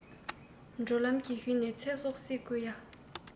འགྲོ ལམ གྱི གཞུང ནས ཚེ སྲོག བསྲིང དགོས ཡ